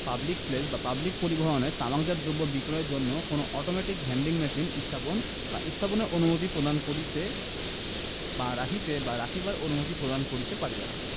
public place বা public পরিবহণে তামাকজাত দ্রব্য বিক্রয়ের জন্য কোন অটোমেটিক ভেন্ডিং মেশিন স্থাপন বা স্থাপনের অনুমতি প্রদান করিতে বা রাখিতে বা রাখিবার অনুমতি প্রদান করিতে পারিবে না